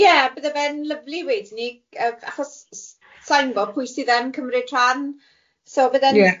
Ie bydde fe'n lyfli wedyn ni yy achos s- sai'n gwybod pwy sydd yn cymryd rhan so bydde'n... Ie.